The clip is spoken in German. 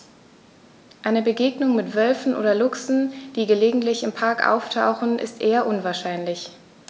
Eine Begegnung mit Wölfen oder Luchsen, die gelegentlich im Park auftauchen, ist eher unwahrscheinlich.